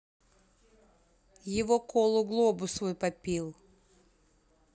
его колу глобус свой попил